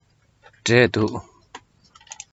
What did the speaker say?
འབྲས འདུག